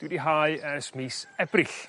dwi 'di hau ers mis Ebrill